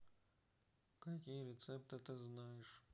какие рецепты ты знаешь